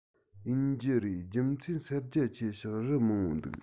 ཡིན རྒྱུ རེད རྒྱུ མཚན ས རྒྱ ཆེ ཞིང རི མང པོ འདུག